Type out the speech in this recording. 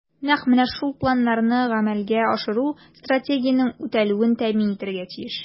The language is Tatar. Нәкъ менә шул планнарны гамәлгә ашыру Стратегиянең үтәлүен тәэмин итәргә тиеш.